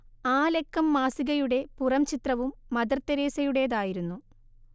ആ ലക്കം മാസികയുടെ പുറംചിത്രവും മദർതെരേസയുടേതായിരുന്നു